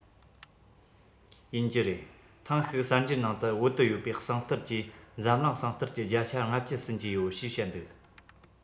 ཡིན གྱི རེད ཐེངས ཤིག གསར འགྱུར ནང དུ བོད དུ ཡོད པའི ཟངས གཏེར གྱིས འཛམ གླིང ཟངས གཏེར གྱི བརྒྱ ཆ ལྔ བཅུ ཟིན གྱི ཡོད ཞེས བཤད འདུག